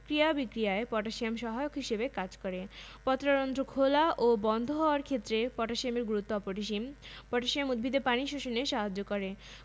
উদ্ভিদের স্বাভাবিক বৃদ্ধির জন্য মাইক্রোনিউট্রিয়েন্টগুলোও গুরুত্বপূর্ণ ভূমিকা পালন করে যেমন ম্যাংগানিজ ক্লোরোপ্লাস্ট গঠন ও সংরক্ষণের জন্য ম্যাংগানিজ প্রয়োজন